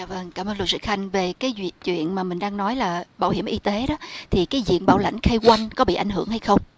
dạ vâng cảm ơn luật sư khanh về cái duyệt chuyện mà mình đang nói là bảo hiểm y tế đó thì cái diện bảo lãnh khai quân có bị ảnh hưởng hay không